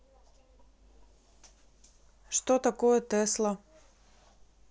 что такое tesla